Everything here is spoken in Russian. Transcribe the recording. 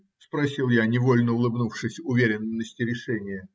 - спросил я, невольно улыбнувшись уверенности решения.